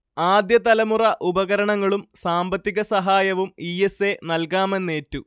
ആദ്യതലമുറ ഉപകരണങ്ങളും സാമ്പത്തികസഹായവും E S A നൽകാമെന്നേറ്റു